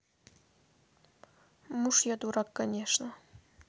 муж я дурак конечно